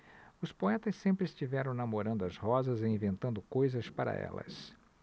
os poetas sempre estiveram namorando as rosas e inventando coisas para elas